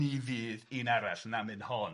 ni fydd un arall na myn hon.